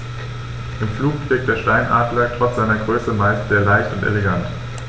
Im Flug wirkt der Steinadler trotz seiner Größe meist sehr leicht und elegant.